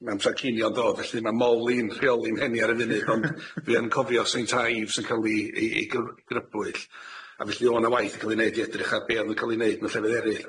Ma' amsar cinio'n dod felly ma' Moli'n rheoli mheni ar y funud ond dwi yn cofio Saint Ives yn ca'l i i i gyr- grybwyll a felly o' na waith yn ca'l i neud i edrych ar be' o'dd yn ca'l i neud mewn llefydd eryll,